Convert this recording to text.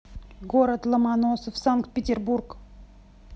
город ломоносов санкт петербург